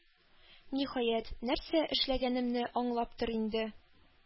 Ниһаять, нәрсә эшләгәнемне аңлаптыр инде,